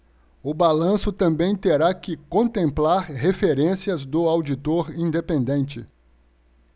o balanço também terá que contemplar referências do auditor independente